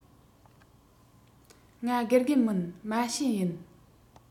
ང དགེ རྒན མིན མ བྱན ཡིན